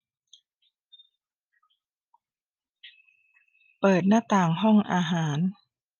เปิดหน้าต่างห้องอาหาร